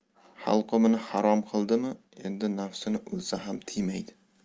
halqumini harom qildimi endi nafsini o'lsa ham tiymaydi